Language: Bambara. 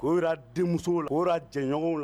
Ora denmuso la ora jɛɲɔgɔnw la